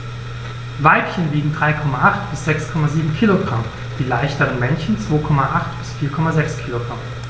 Weibchen wiegen 3,8 bis 6,7 kg, die leichteren Männchen 2,8 bis 4,6 kg.